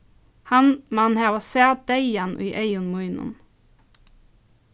hann man hava sæð deyðan í eygum mínum